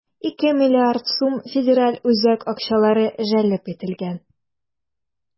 2 млрд сум федераль үзәк акчалары җәлеп ителгән.